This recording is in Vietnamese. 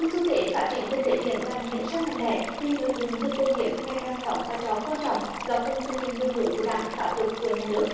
trong xu thế phát triển kinh tế biển đang diễn ra mạnh mẽ thì lực lượng dân quân biển ngày càng đóng vai trò quan trọng góp phần thực hiện đường lối của đảng pháp luật của nhà nước